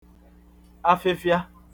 afịfịa